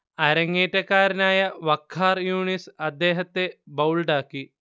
അരങ്ങേറ്റക്കാരനായ വഖാർ യൂനിസ് അദ്ദേഹത്തെ ബൗൾഡാക്കി